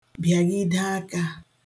bịaghide akā